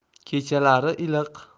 kechalari iliq